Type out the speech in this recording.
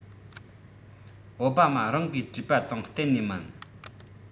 ཨའོ པ མ རང གིས བྲིས པ དང གཏན ནས མིན